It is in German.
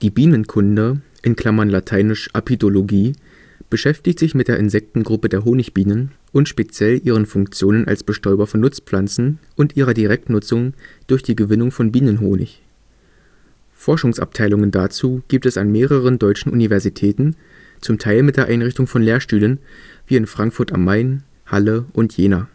Bienenkunde (lat. Apidologie) beschäftigt sich mit der Insektengruppe der Honigbienen und speziell ihren Funktionen als Bestäuber von Nutzpflanzen und ihrer Direktnutzung durch die Gewinnung von Bienenhonig. Forschungsabteilungen dazu gibt es an mehreren deutschen Universitäten, zum Teil mit der Einrichtung von Lehrstühlen wie in Frankfurt/Main, Halle und Jena